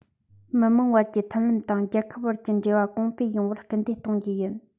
མི དམངས བར གྱི མཐུན ལམ དང རྒྱལ ཁབ བར གྱི འབྲེལ བ གོང འཕེལ ཡོང བར སྐུལ འདེད གཏོང རྒྱུ ཡིན